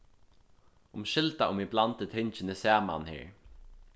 umskylda um eg blandi tingini saman her